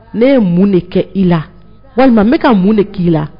Ne ye mun de kɛ i la walima ne ka mun de k' i la